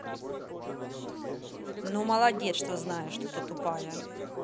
ну молодец что знаешь что ты тупая